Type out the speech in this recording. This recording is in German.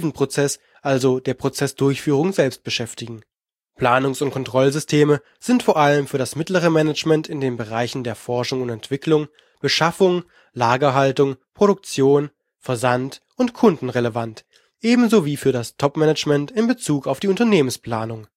Prozess, also der Prozessdurchführung selbst beschäftigen. Planungs - und Kontrollsysteme sind vor allem für das mittlere Management in den Bereichen der Forschung und Entwicklung (F&E), Beschaffung, Lagerhaltung, Produktion, Versand und Kunden relevant, ebenso wie für das Top-Management in Bezug auf die Unternehmensplanung